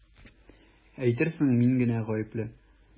Әйтерсең мин генә гаепле!